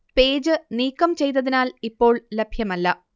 page നീക്കം ചെയ്തതിനാൽ ഇപ്പോൾ ലഭ്യമല്ല